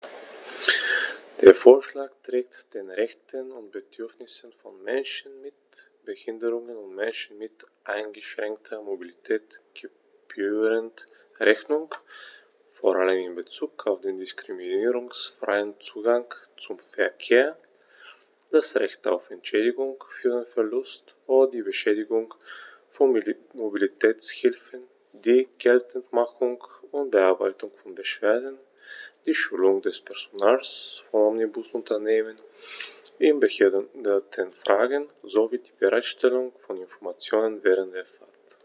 Der Vorschlag trägt den Rechten und Bedürfnissen von Menschen mit Behinderung und Menschen mit eingeschränkter Mobilität gebührend Rechnung, vor allem in Bezug auf den diskriminierungsfreien Zugang zum Verkehr, das Recht auf Entschädigung für den Verlust oder die Beschädigung von Mobilitätshilfen, die Geltendmachung und Bearbeitung von Beschwerden, die Schulung des Personals von Omnibusunternehmen in Behindertenfragen sowie die Bereitstellung von Informationen während der Fahrt.